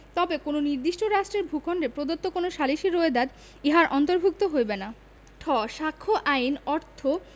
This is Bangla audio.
তবে কোন নির্দিষ্ট রাষ্ট্রের ভূখন্ডে প্রদত্ত কোন সালিসী রোয়েদাদ ইহার অন্তর্ভুক্ত হইবে না ঠ সাক্ষ্য আইন অর্থ